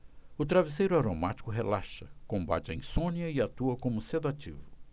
o travesseiro aromático relaxa combate a insônia e atua como sedativo